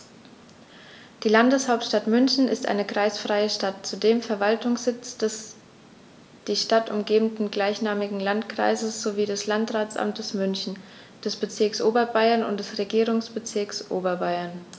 Die Landeshauptstadt München ist eine kreisfreie Stadt, zudem Verwaltungssitz des die Stadt umgebenden gleichnamigen Landkreises sowie des Landratsamtes München, des Bezirks Oberbayern und des Regierungsbezirks Oberbayern.